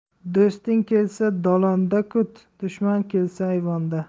do'sting kelsa dolonda kut dushman kelsa ayvonda